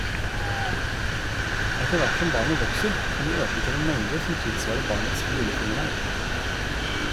Etter hvert som barnet vokser, kan du øke til en mengde som tilsvarer barnets lillefingernegl.